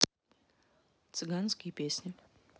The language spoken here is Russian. цыганские песни